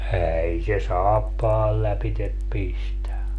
ei se saappaan lävitse pistä